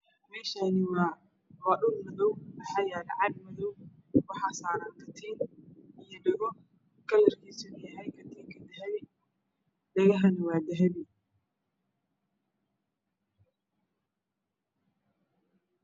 Meeshani waa dhul madaw waxaa saaran kalarkiisu yahay dabahi dhagahana waa dabahi